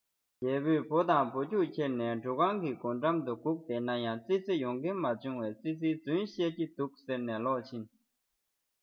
རྒྱལ པོས འབོ དང འབོ རྒྱུགས ཁྱེར ནས འབྲུ ཁང གི སྒོ འགྲམ དུ སྒུག བསྡད ནའང ཙི ཙི ཡོང མཁན མ བྱུང བས ཙི ཙིས རྫུན བཤད ཀྱི འདུག ཟེར ནས ལོག ཕྱིན